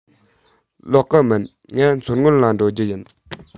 ལོག གི མིན ང མཚོ སྔོན ལ འགྲོ རྒྱུ ཡིན